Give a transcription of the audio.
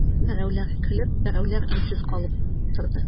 Берәүләр көлеп, берәүләр өнсез катып торды.